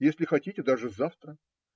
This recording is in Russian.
Если хотите, даже завтра!